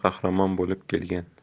qahramon bo'lib kelgan